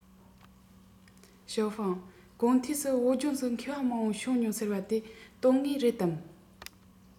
ཞའོ ཧྥུང གོ ཐོས སུ བོད ལྗོངས སུ མཁས པ མང པོ བྱུང མྱོང ཟེར བ དེ དོན དངོས རེད དམ